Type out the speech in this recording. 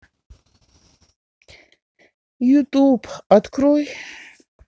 ютуб открой